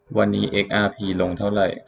วันนี้เอ็กอาร์พีลงเท่าไหร่